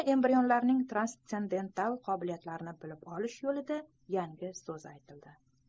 embrionlarning transsendental qobiliyatlarini bilib olish yo'lida yangi so'z aytildi